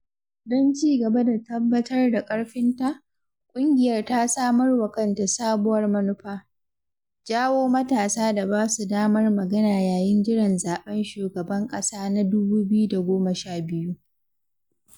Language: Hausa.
Don ci gaba da tabbatar da ƙarfinta, ƙungiyar ta samarwa kanta sabuwar manufa: jawo matasa da ba su damar magana yayin jiran zaɓen shugaban ƙasa na 2012.